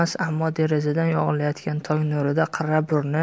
ammo derazadan yog'ilayotgan tong nurida qirra burni